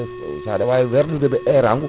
saɗa wawi werludeɓe heerago